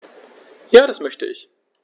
Ja, das möchte ich.